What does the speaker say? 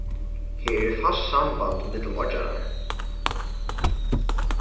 har er fast samband millum oyggjarnar